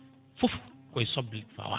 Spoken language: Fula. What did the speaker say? foof koye soble fawa